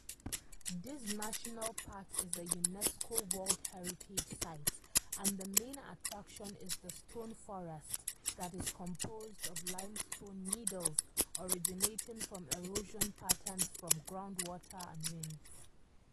This National Park is a UNESCO World Heritage Site, and the main attraction is the stone forest that is composed of limestone needles originating from erosion patterns from groundwater and winds.